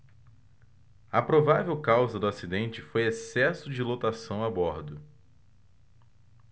a provável causa do acidente foi excesso de lotação a bordo